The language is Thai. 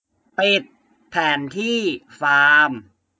ปิดแผนที่ฟาร์ม